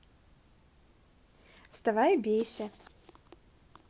вставай и бейся